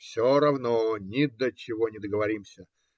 все равно ни до чего не договоримся